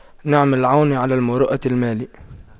نعم العون على المروءة المال